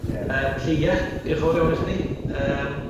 Ie. Yy felly ie. Dioch y' fowr iawn i chdi yym